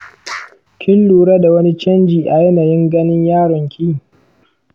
kin lura da wani canji a yanayin ganin yaron ki?